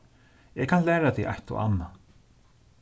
eg kann læra teg eitt og annað